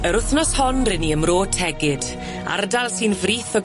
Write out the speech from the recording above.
Yr wthnos hon ry'n ni ym Mro Tegid, ardal sy'n frith o